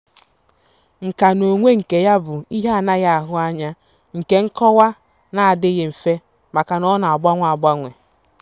Nkà n'onwe nke ya bụ̀, ihe anaghị ahụ anya, nke nkọwa na-adịghị mfè maka na ọ na-agbanwe agbanwe.